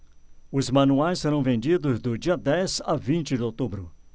os manuais serão vendidos do dia dez a vinte de outubro